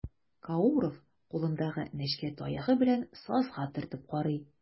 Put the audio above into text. Кауров кулындагы нечкә таягы белән сазга төртеп карый.